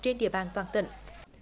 trên địa bàn toàn tỉnh